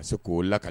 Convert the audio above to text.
A se' la ka